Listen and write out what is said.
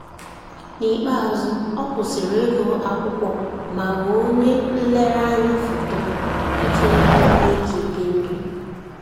N'ikpeazụ, ọ kwụsịrị ịga akwụkwọ ma ghọọ onye nlereanya foto iji nweta ihe e ji ebi ndụ.